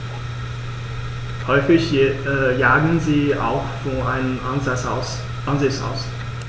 Häufig jagen sie auch von einem Ansitz aus.